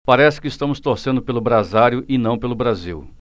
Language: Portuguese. parece que estamos torcendo pelo brasário e não pelo brasil